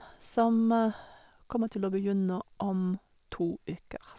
Som kommer til å begynne om to uker.